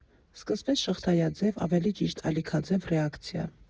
Սկսվեց շղթայաձև, ավելի ճիշտ՝ ալիքաձև ռեակցիա.